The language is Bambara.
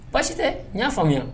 Baasi tɛ n y'a faamuya